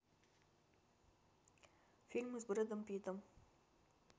фильмы с брэдом питтом